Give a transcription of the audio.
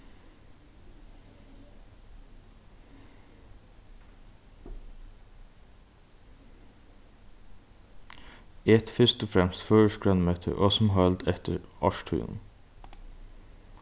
et fyrst og fremst føroyskt grønmeti og sum heild eftir árstíðunum